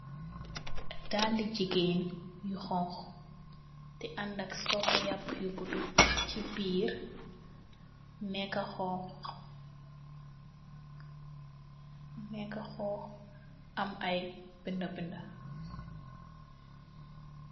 Daali jigéen yu xooñxu, tè andak sopeyak yu gudu, si biir, neekë xoñgu am ay binda binda.